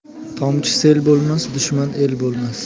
tomchi sel bo'lmas dushman el bo'lmas